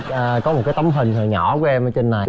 à có một cái tấm hình hồi nhỏ của em ở trên này